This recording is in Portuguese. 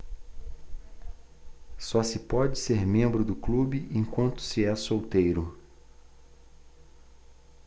só se pode ser membro do clube enquanto se é solteiro